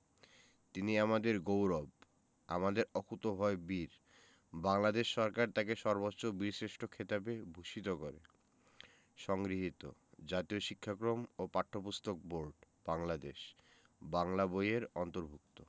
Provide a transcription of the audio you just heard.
তিনি আমাদের গৌরব আমাদের অকুতোভয় বীর বাংলাদেশ সরকার তাঁকে সর্বোচ্চ বীরশ্রেষ্ঠ খেতাবে ভূষিত করে সংগৃহীত জাতীয় শিক্ষাক্রম ও পাঠ্যপুস্তক বোর্ড বাংলাদেশ বাংলা বই এর অন্তর্ভুক্ত